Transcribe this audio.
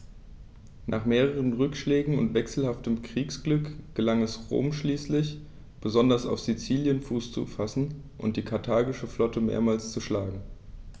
Nach mehreren Rückschlägen und wechselhaftem Kriegsglück gelang es Rom schließlich, besonders auf Sizilien Fuß zu fassen und die karthagische Flotte mehrmals zu schlagen.